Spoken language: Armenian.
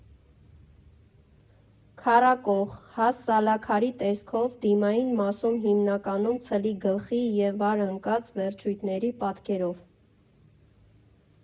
Քառակող, հաստ սալաքարի տեսքով, դիմային մասում հիմնականում ցլի գլխի և վար ընկած վերջույթների պատկերով։